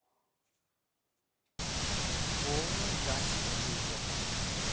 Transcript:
волны гасят ветер